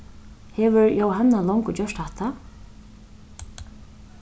hevur jóhanna longu gjørt hatta